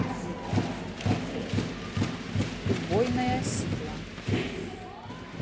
убойная сила